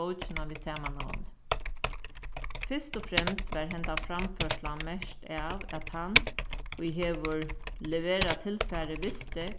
bókina við sama navni fyrst og fremst var hendan framførslan merkt av at tann ið hevur leverað tilfarið visti